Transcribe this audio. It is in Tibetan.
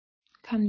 ཁམ གཉིས